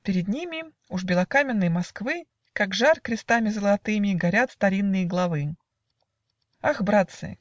Перед ними Уж белокаменной Москвы Как жар, крестами золотыми Горят старинные главы. Ах, братцы!